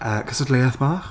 yy cystadleuaeth bach.